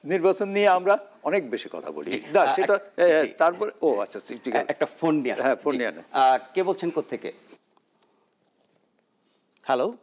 নির্বাচনী আমরা অনেক বেশি কথা বলি জি ও আচ্ছা আচ্ছা একটা ফোন নিয়ে আসছি ফোন নিয়া নেন কে বলছেন কোথা থেকে হ্যালো